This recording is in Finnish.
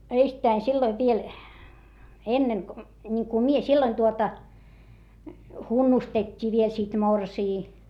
ensittäin silloin vielä ennen kuin niin kuin minä silloin tuota hunnustettiin vielä sitten morsian